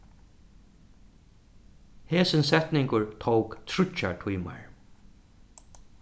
hesin setningur tók tríggjar tímar